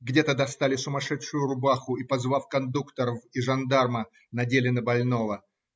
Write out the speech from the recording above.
где-то достали сумасшедшую рубаху и, позвав кондукторов и жандарма, надели на больного.